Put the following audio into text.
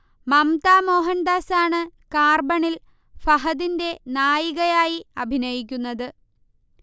മംമ്ത മോഹൻദാസാണ് കാർബണിൽ ഫഹദിന്റെ നായികയായി അഭിനയിക്കുന്നത്